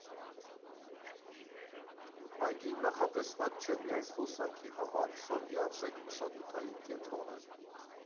Այգին նախատեսված չէ միայն զբոսանքի համար, սա լիարժեք մշակութային կենտրոն է։